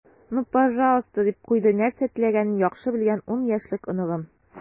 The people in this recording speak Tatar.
"ну пожалуйста," - дип куйды нәрсә теләгәнен яхшы белгән ун яшьлек оныгым.